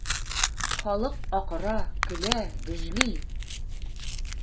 Халык акыра, көлә, гөжли.